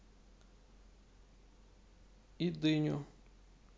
и дыню